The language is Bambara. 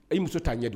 E muso t'a ɲɛ don.